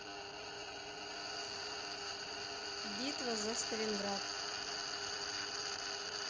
битва за сталинград